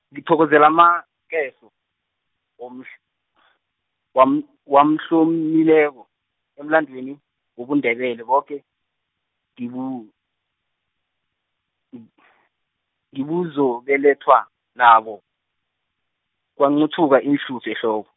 ngithokozelamakeso, womhl- , wam- wamhlom- -mileko, emlandweni wobuNdebele boke, ngibu- n- , ngibuzobelethwa, nabo, kwanqothuka iinhluthu ehloko.